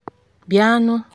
Bịanụ.”